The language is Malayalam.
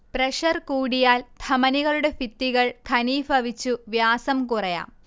പ്രഷർ കൂടിയാൽ ധമനികളുടെ ഭിത്തികൾ ഘനീഭവിച്ചു വ്യാസം കുറയാം